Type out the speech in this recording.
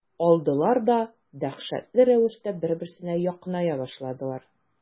Алдылар да дәһшәтле рәвештә бер-берсенә якыная башладылар.